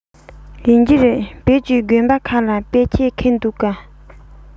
ཡིན གྱི རེད བོད ཀྱི དགོན པ ཁག ལ དཔེ ཆས ཁེངས འདུག ག